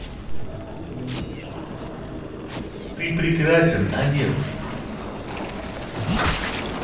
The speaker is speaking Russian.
ты прекрасен анет